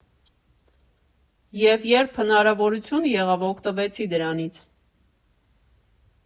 Եվ երբ հնարավորություն եղավ, օգտվեցի դրանից։